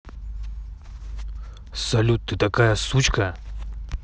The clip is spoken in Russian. салют ты такая сучка